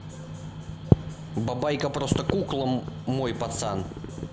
бабайка просто кукла мой пацан